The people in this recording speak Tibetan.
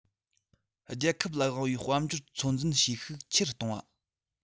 རྒྱལ ཁབ ལ དབང བའི དཔལ འབྱོར ཚོད འཛིན བྱེད ཤུགས ཆེ རུ གཏོང བ